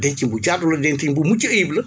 dencin bu jaadu la dencin bu mucc ayib la